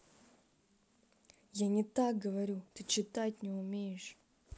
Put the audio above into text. я не так говорю ты читать не умеешь